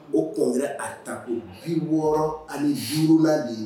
O kɔn wɛrɛ a ta o bi wɔɔrɔ ani zuruurununa de ye